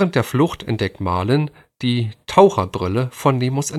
der Flucht entdeckt Marlin die Taucherbrille von Nemos